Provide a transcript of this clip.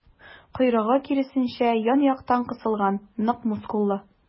Койрыгы, киресенчә, ян-яктан кысылган, нык мускуллы.